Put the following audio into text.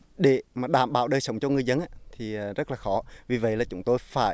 để đảm bảo đời sống cho người dân thì rất là khó vì vậy là chúng tôi phải